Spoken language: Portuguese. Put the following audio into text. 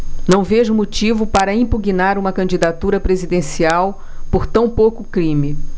não vejo motivo para impugnar uma candidatura presidencial por tão pouco crime